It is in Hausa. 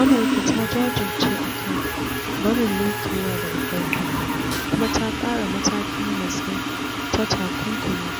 “Amurka ta jajirce a kan “barin nukiliya daga farko” kuma ta ƙara matakin matsai ta takunkumi